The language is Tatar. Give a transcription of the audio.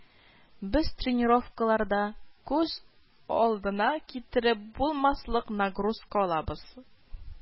Без тренировкаларда күз алдына китереп булмаслык нагрузка алабыз